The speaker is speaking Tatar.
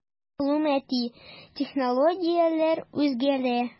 Мәгълүмати технологияләр үзгәрә.